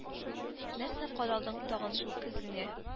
Нәрсә кадалдың тагын шул көзгеңә